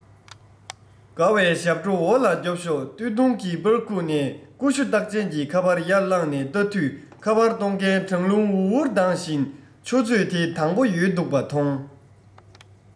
དགའ བའི ཞབས བྲོ འོ ལ རྒྱོབས ཤོག སྟོད ཐུང གི པར ཁུག ནས ཀུ ཤུ རྟགས ཅན གྱི ཁ པར ཡར བླངས ནས ལྟ དུས ཁ པར གཏོང མཁན གྲང རླུང འུར འུར ལྡང བཞིན ཆུ ཚོད དེ དང པོ ཡོལ འདུག པ མཐོང